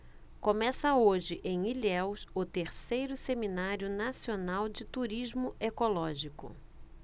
começa hoje em ilhéus o terceiro seminário nacional de turismo ecológico